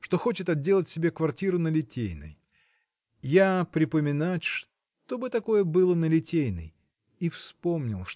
что хочет отделать себе квартиру на Литейной. Я припоминать что бы такое было на Литейной – и вспомнил